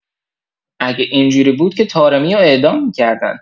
اگه اینجوری بود که طارمیو اعدام می‌کردن